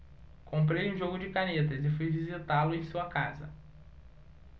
comprei um jogo de canetas e fui visitá-lo em sua casa